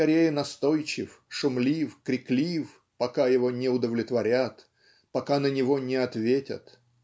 скорее, настойчив, шумлив, криклив, пока его не удовлетворят, пока на него не ответят),